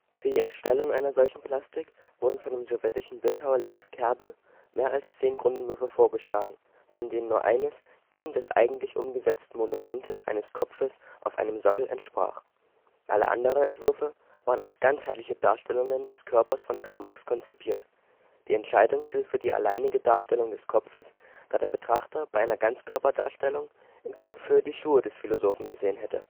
Für die Erstellung einer solchen Plastik wurden von dem sowjetischen Bildhauer Lew Kerbel mehr als zehn Grundentwürfe vorgeschlagen, von denen nur eines dem des eigentlich umgesetzten Monuments eines Kopfes auf einem Sockel entsprach. Alle anderen Entwürfe waren als ganzheitliche Darstellungen des Körpers von Karl Marx konzipiert. Die Entscheidung fiel für die alleinige Darstellung des Kopfes, da der Betrachter bei einer Ganzkörperdarstellung in Kopfhöhe die Schuhe des Philosophen gesehen hätte